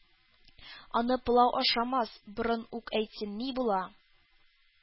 Аны пылау ашамас борын ук әйтсәң ни була!